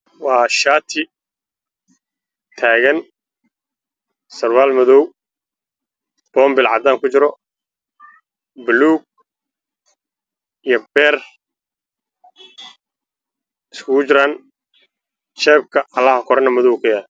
Waa shaati tagan surwaal madow ah